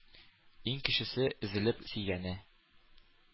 Иң кечесе, өзелеп сөйгәне.